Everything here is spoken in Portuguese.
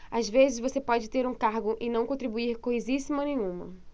às vezes você pode ter um cargo e não contribuir coisíssima nenhuma